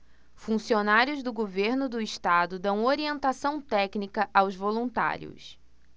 funcionários do governo do estado dão orientação técnica aos voluntários